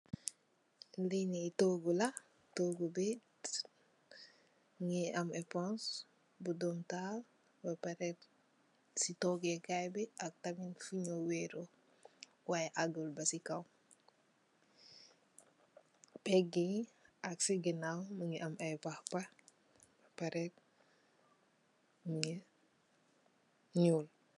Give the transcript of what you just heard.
Lee nee toogu la toogu be muge am eponse bu dome taal ba pareh se tooge kayebe ak funu weruh y ahgul base kaw pege ye ak se ganaw muge am aye pah pah pareh nuge nuul.